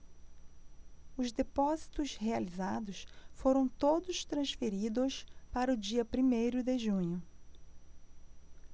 os depósitos realizados foram todos transferidos para o dia primeiro de junho